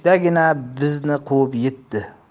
berishdagina bizni quvib yetdi